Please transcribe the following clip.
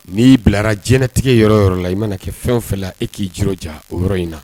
N'i'i bilara diɲɛtigɛ yɔrɔ yɔrɔ la i mana kɛ fɛn fɛ e k'i juru jan o yɔrɔ in na